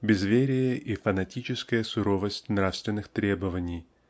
безверие и фанатическая суровость нравственных требований